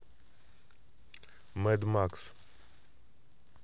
мэд макс